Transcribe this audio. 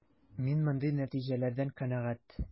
Мин мондый нәтиҗәләрдән канәгать.